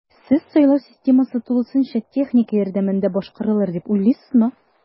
Сез сайлау системасы тулысынча техника ярдәмендә башкарарылыр дип уйлыйсызмы?